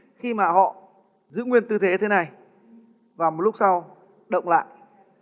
khi mà họ giữ nguyên tư thế thế này và một lúc sau động lại